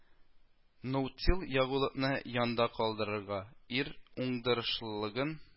Ноутил ягулыкны янда калдырырга, ир уңдырышлылыгын